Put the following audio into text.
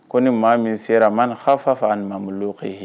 Ko ni maa min sera man khafafa ane namuluukii